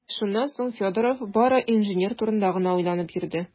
Шуннан соң Федоров бары инженер турында гына уйланып йөрде.